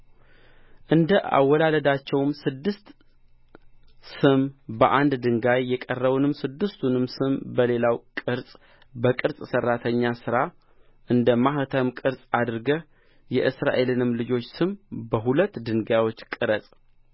እንደ አወላለዳቸው ስድስት ስም በአንድ ድንጋይ የቀረውንም ስድስቱን ስም በሌላው ቅረጽ በቅርጽ ሠራተኛ ሥራ እንደ ማኅተም ቅርጽ አድርገህ የእስራኤልን ልጆች ስም በሁለት ድንጋዮች ቅረጽ